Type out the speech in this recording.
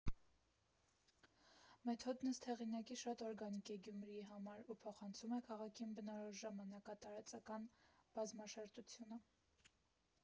Մեթոդն ըստ հեղինակի շատ օրգանիկ է Գյումրիի համար, ու փոխանցում է քաղաքին բնորոշ ժամանակատարածական բազմաշերտությունը։